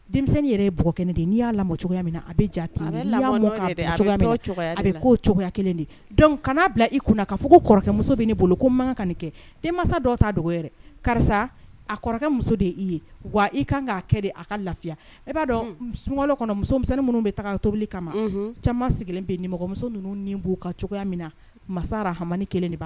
I ya kana bila i kunna ka fɔ ko bolo ko makan ka nin kɛ den dɔw ta dugawu karisa a kɔrɔkɛ muso de y' ye wa i kan k'a kɛ de a ka lafiya i b'a dɔn sun kɔnɔ musomin minnu bɛ taa tobili kama caman sigilen bɛmɔgɔmuso ninnu ni b'u ka cogoya min na masara hamani kelen